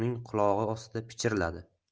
uning qulog'i ostida pichirladi